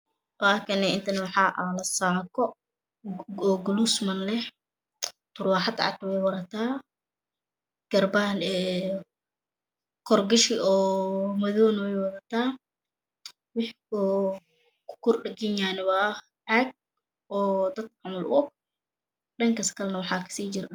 Inta wax yalo saako waxey qatata taraxad iyo korgashi oo madow ah ayey wadta